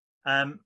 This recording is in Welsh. yym